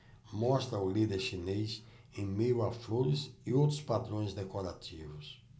mostra o líder chinês em meio a flores e outros padrões decorativos